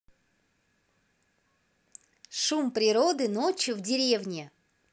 шум природы ночью в деревне